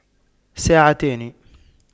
ساعتان